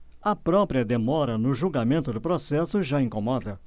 a própria demora no julgamento do processo já incomoda